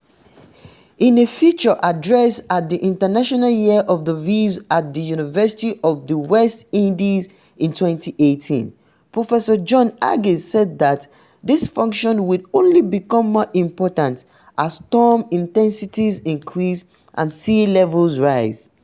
In a feature address at the International Year of the Reef at the University of the West Indies in 2018, Professor John Agard said that this function will only become more important as storm intensities increase and sea levels rise.